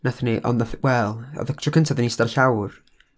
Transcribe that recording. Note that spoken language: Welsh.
Wnaethon ni, ond wnaeth, wel, oedd o tro cynta dan ni'n ista ar y llawr.